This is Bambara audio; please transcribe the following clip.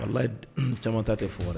A caman ta tɛ faga